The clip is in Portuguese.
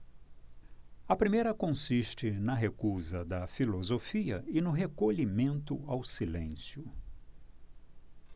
a primeira consiste na recusa da filosofia e no recolhimento ao silêncio